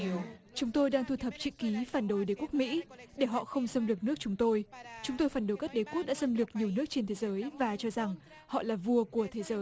chúng tôi đang thu thập chữ ký phản đối đế quốc mĩ để họ không xâm lược nước chúng tôi chúng tôi phản đối các đế quốc đã xâm lược nhiều nước trên thế giới và cho rằng họ là vua của thế giới